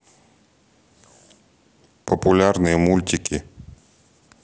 популярные мультики